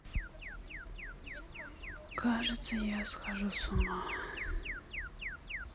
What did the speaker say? кажется я схожу с ума